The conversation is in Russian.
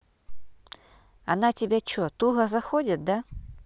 она тебя че туго заходит да